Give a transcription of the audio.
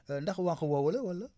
ndax wànq woowu la wala